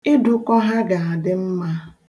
Ịdụkọ ha ga-adị mma.